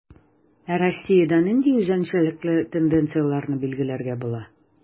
Ә Россиядә нинди үзенчәлекле тенденцияләрне билгеләргә була?